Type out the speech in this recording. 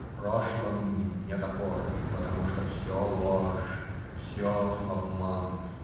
В прошлом нет опоры, потому что все ложь, все обман.